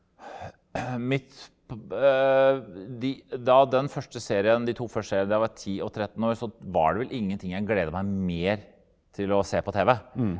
mitt de da den første serien de to første da var jeg ti og 13 år så var det vel ingenting jeg gleda meg mer til å se på tv.